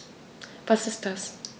Was ist das?